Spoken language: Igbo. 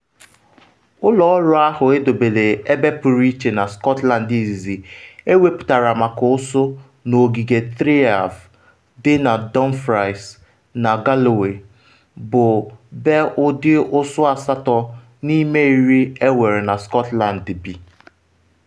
Ụlọ ọrụ ahụ edobela ebe pụrụ iche na Scotland izizi ewepụtara maka ụsụ n’ogige Threave dị na Dumfries na Galloway, bụ be ụdị ụsụ asatọ n’ime iri enwere na Scotland bi.